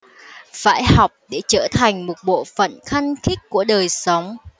phải học để trở thành một bộ phận khăng khít của đời sống